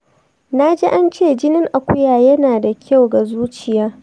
naji ance jinin akuya yana da kyau ga zuciya.